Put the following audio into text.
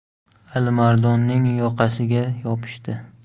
alimardonning yoqasiga yopishdi